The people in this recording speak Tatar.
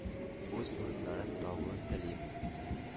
Үз урыннарын табуын телим.